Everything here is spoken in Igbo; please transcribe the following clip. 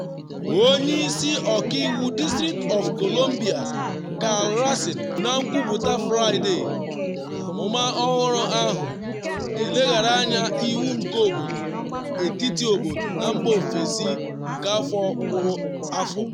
Onye Isi Ọka Iwu District of Columbia Karl Racine kwuru na nkwuputa Fraịde na amụma ọhụrụ ahụ “n’eleghara anya iwu nke obodo, etiti obodo na mba ofesi nke afọ kwụrụ afọ.”